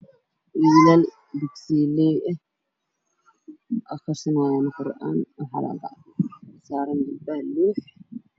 Wiilal dugsi ley ah oo ka imaday dugsi quraan waxey gacmaha ku wataan kitaabo